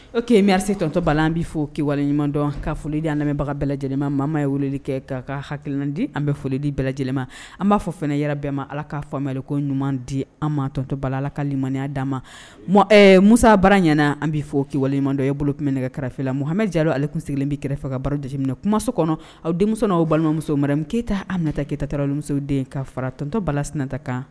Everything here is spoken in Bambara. O kemerisi tɔntɔba an b bɛ fɔ kiwale ɲuman dɔn ka folidi an lamɛnmɛbaga bɛɛ lajɛlenma maama ye weleli kɛ ka ka hakil di an bɛ folidi bɛɛ lajɛlenma an b'a fɔ fana yɛrɛ bɛɛ ma ala k'a faamu ye ko ɲuman di an ma tɔntɔbala kalimaniya da ma mɔ musa baara ɲɛna an bɛ fɔwaleɲuman dɔn ye bolo tun bɛ nɛgɛ kɛrɛfɛfe la muhamɛja ale kun sigilen bɛ kɛrɛfɛ faga ka barodiminɛ minɛ kumaso kɔnɔ aw denmuso' balimamuso mara min keyita an nata ketaraden ka faratɔntɔbasta kan